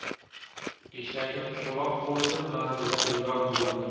eshagim cho'loq bo'ldi manzilim yiroq bo'ldi